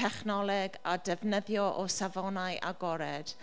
technoleg a defnyddio o safonau agored.